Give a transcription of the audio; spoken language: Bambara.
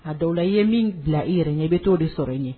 A dɔw la i ye min bila i yɛrɛ ɲɛ bɛ to de sɔrɔ i ɲɛ